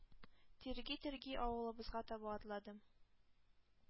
Тирги-тирги авылыбызга таба атладым.